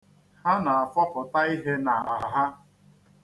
Ha na-afọpụta ihe n'akpa ha.